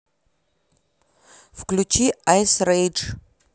включи айс рейдж